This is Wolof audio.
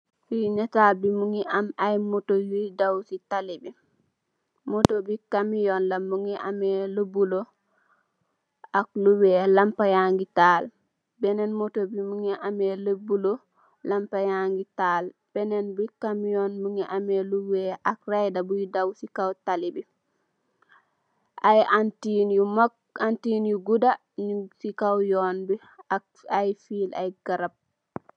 Netal bi mungi am ay moto yui daww sy talibi, moto bi kabiyong la mungi ameh lu bulo ak lu weh lampam ya ngi taal, benen bi kabiyong mungi ameh lu weh ak rayda bui daww sy kow talibi, ay antin yu mak, antin yu guda nyung sy kaww yon bi ak fiil ak garap